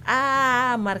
Aa mari